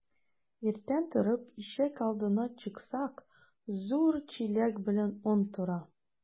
Иртән торып ишек алдына чыксак, зур чиләк белән он тора.